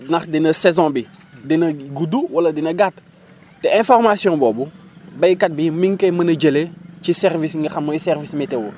ndax dina saison bi dina gudd wala dina gàtt te information boobu béykat bi mi ngi koy mën a jëlee ci service yi nga xam mooy service météo